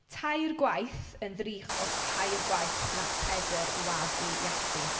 Tair gwaith yn ddrych o'r tair gwaith wnaeth Pedr wadu Iesu.